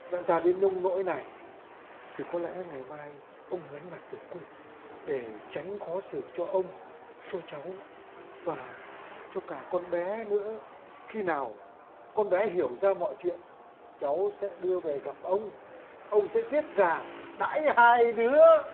đã ra đến nông nỗi này thì có lẽ ngày mai ông lánh mặt về quê để tránh khó xử cho ông cho cháu và cho cả con bé ấy nữa khi nào con bé hiểu ra mọi chuyện cháu sẽ đưa về gặp ông ông sẽ giết gà đãi hai đứa